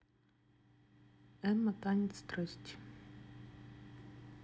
эмма танец страсти